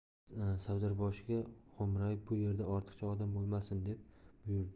savdarboshiga xo'mrayib bu yerda ortiqcha odam bo'lmasin deb buyurdi